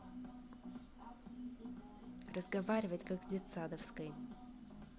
разговаривать как детсадовской